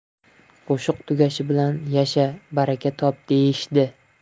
qo'shiq tugashi bilan yasha baraka top deyishdi